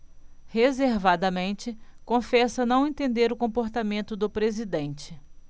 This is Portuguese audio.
reservadamente confessa não entender o comportamento do presidente